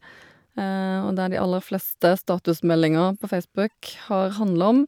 Og det de aller fleste statusmeldinger på Facebook har handla om.